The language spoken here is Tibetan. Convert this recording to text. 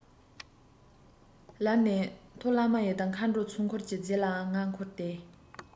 ལར ནས མཐོ བླ མ ཡི དམ མཁའ འགྲོའི ཚོགས འཁོར གྱི རྫས ལའང ང འཁོར སྟེ